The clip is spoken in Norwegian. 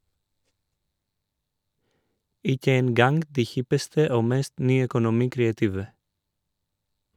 Ikke en gang de hippeste og mest nyøkonomi-kreative.